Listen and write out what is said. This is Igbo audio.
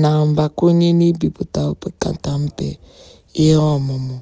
Na mgbakwunye n'ibipụta opekata mpe ihe ọmụmụ